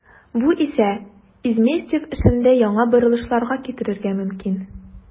Бу исә Изместьев эшендә яңа борылышларга китерергә мөмкин.